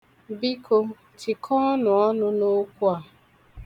Biko tikọnụ ọnụ n'okwu a